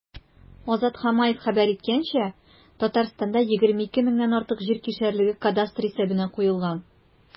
Азат Хамаев хәбәр иткәнчә, Татарстанда 22 меңнән артык җир кишәрлеге кадастр исәбенә куелган.